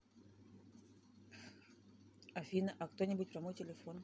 афина а кто нибудь про мой телефон